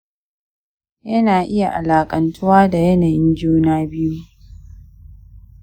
ya na iya alaƙantuwa da yanayin juna-biyu